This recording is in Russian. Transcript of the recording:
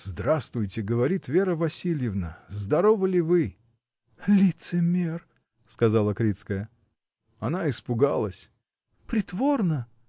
— Здравствуйте, говорит, Вера Васильевна! здоровы ли вы?. — Лицемер! — сказала Крицкая. — Она испугалась. — Притворно!